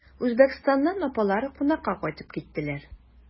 Үзбәкстаннан апалары кунакка кайтып киттеләр.